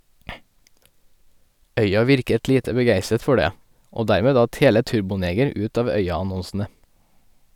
Øya virket lite begeistret for det - og dermed datt hele Turboneger ut av Øya-annonsene.